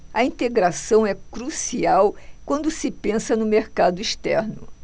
a integração é crucial quando se pensa no mercado externo